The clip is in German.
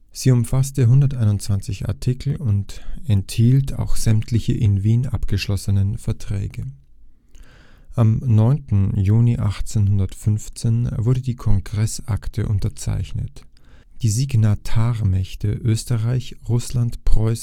Sie umfasste 121 Artikel und enthielt auch sämtliche in Wien abgeschlossenen Verträge. Am 9. Juni 1815 wurde die Kongressakte unterzeichnet. Die Signatarmächte Österreich, Russland, Preußen